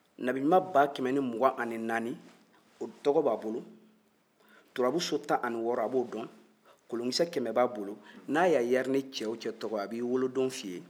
nabi ɲuman bakɛmɛ ni mugan ani naani olu tɔgɔ b'a bolo turabu so tan ani wɔɔrɔ a b'o dɔn kolonkisɛ kɛmɛ b'a bolo n'a y'a yari ni cɛ wo cɛ tɔgɔ ye a b'i wolodon f'i ye